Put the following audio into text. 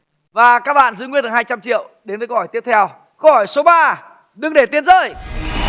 và các bạn giữ nguyên được hai trăm triệu đến với câu hỏi tiếp theo câu hỏi số ba đừng để tiền rơi